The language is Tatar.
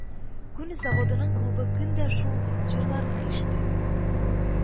Күн заводының клубы көн дә шул җырларны ишетә